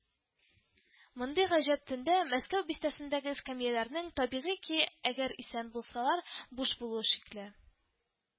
Мондый гаҗәеп төндә Мәскәү бистәсендәге эскәмияләрнең, табигый ки, әгәр исән булсалар, буш булуы шикле